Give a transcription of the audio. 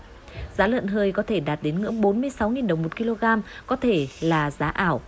giá lợn hơi có thể đạt đến ngưỡng bốn mươi sáu nghìn đồng một ki lô gam có thể là giá ảo